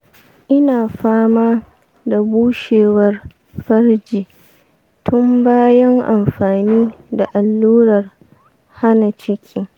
ina fama da bushewar farji tun bayan amfani da allurar hana ciki.